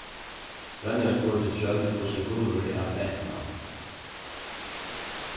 ronja spurdi trónd hvussu gunnvør æt til eftirnavn